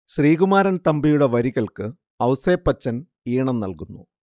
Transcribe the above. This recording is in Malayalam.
ശ്രീകുമാരൻ തമ്പിയുടെ വരികൾക്ക് ഔസേപ്പച്ചൻ ഈണം നൽകുന്നു